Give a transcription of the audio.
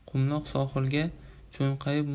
qumloq sohilga cho'nqayib